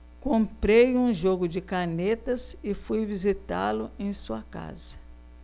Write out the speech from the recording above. comprei um jogo de canetas e fui visitá-lo em sua casa